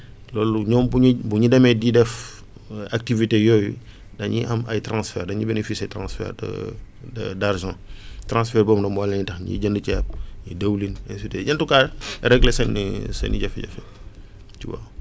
loolu ñoom bu ñu bu ñu demee di def activités yooyu dañuy am ay transferts dañu bénéficier transfert de de d' argent transfert boobu nag moo leen di tax ñuy jënd ceeb ay diwlin *** régler seen seen i jafe-jafe tu vois